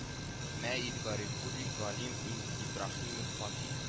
Мәит Гарифури, Галим ин Ибраһимов, Фатих